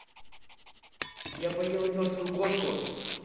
я поела мертвую кошку